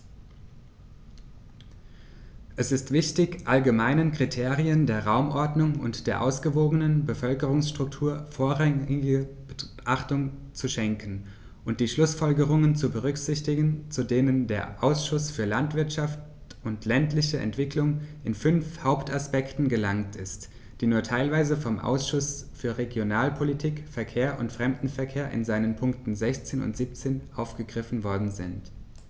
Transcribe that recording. Es ist wichtig, allgemeinen Kriterien der Raumordnung und der ausgewogenen Bevölkerungsstruktur vorrangige Beachtung zu schenken und die Schlußfolgerungen zu berücksichtigen, zu denen der Ausschuss für Landwirtschaft und ländliche Entwicklung in fünf Hauptaspekten gelangt ist, die nur teilweise vom Ausschuss für Regionalpolitik, Verkehr und Fremdenverkehr in seinen Punkten 16 und 17 aufgegriffen worden sind.